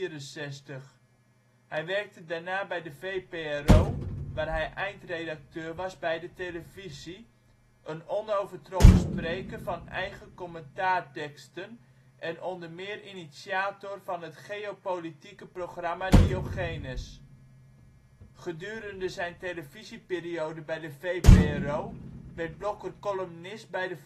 eens een keer (1963 - 1964). Hij werkte daarna bij de VPRO, waar hij eindredacteur was bij de televisie, een onovertroffen spreker van eigen commentaarteksten, en o.m. initiator van het geopolitieke programma ' Diogenes ' Gedurende zijn televisieperiode bij de VPRO werd Blokker columnist bij de